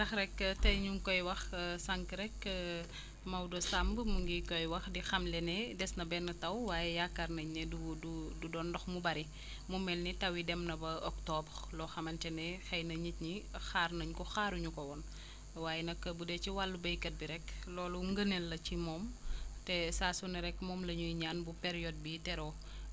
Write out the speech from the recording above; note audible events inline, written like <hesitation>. ndax rek <hesitation> tey ñu ngi koy wax <hesitation> sànq rek <hesitation> Maodo Samb mu ngi koy wax di xamle ne des na benn taw waaye yaakaar nañu ne du du du doon ndox mu bëri mu mel ni taw yi dem na ba octobre loo xamante ne xëy na nit ñi xaar nañu ko xaaruñu ko woon waye nag bu dee ci wàllu béykat bi rek loolu ngëneel la ci moom te saa su ne rek moom la ñuy ñaan période bii teroo